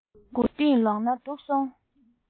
མགོ རྟིང ལོག ན སྡུག སོང